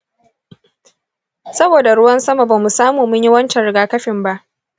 saboda ruwan sama ba mu samu mun yi waccan rigakafin ba.